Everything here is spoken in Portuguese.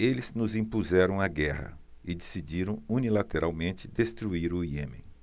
eles nos impuseram a guerra e decidiram unilateralmente destruir o iêmen